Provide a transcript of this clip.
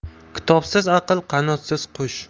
kitobsiz aql qanotsiz qush